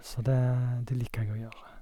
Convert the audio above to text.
Så det det liker jeg å gjøre.